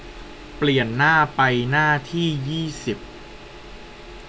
เปลี่ยนหน้าไปหน้าที่ยี่สิบ